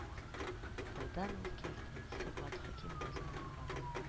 Уфадан ул килде, Сибгат Хәкимне озатырга да